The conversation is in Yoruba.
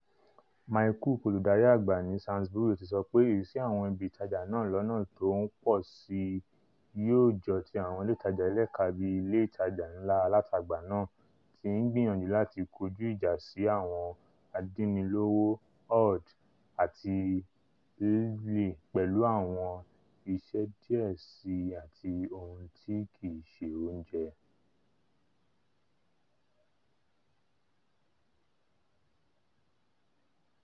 Mike Coupe, olùdarí àgbà ni Sainsbury's, ti sọ pé ìrísí àwọn ibi ìtajà náà lọna tó ńpọ̀ síi yóò jọ ti àwọn ilé ìtajà ẹlẹ́ka bí ilé ìtajà ńlá alátagbà náà ti ngbiyanju láti kọjú ìjà̀ sí àwọn adínnilówó Aldi àti Lidl pẹ̀lú àwọn iṣẹ́ díẹ̀ síi àti ohun tí kìí ṣe oúnjẹ.